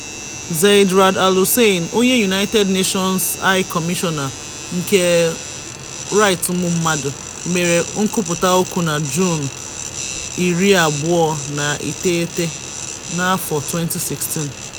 Zeid Ra'ad Al Hussein, United Nations High Commissioner for Human Rights, mere nkwupụta okwu na Juun 29, 2016.